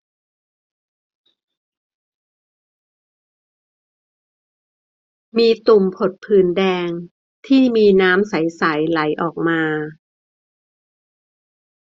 มีตุ่มผดผื่นแดงที่มีน้ำใสใสไหลออกมา